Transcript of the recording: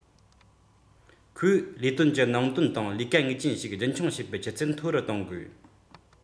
ཁོས ལས དོན གྱི ནང དོན དང ལས ཀ ངེས ཅན ཞིག རྒྱུན འཁྱོངས བྱེད པའི ཆུ ཚད མཐོ རུ གཏོང དགོས